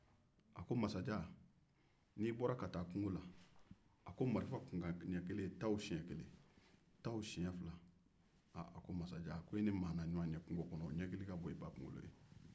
a ko masajan n'i bɔra ka taa kungo la n'i marifa kunkan ɲɛ siɲɛ saba kɛ i ni maa na ɲɔgɔn min ɲɛkili ka bon n'i kunkolo